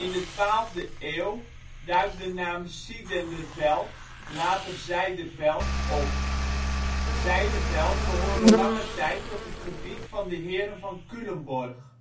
de 12e eeuw duikt de naam Sidenderveld (later Zijderveld) op. Zijderveld behoorde lange tijd tot het gebied van de heren van Culemborg